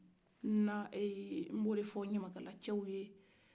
na ee n bɛ o de fɔ ɲamakala cɛw ye